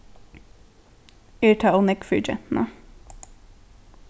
er tað ov nógv fyri gentuna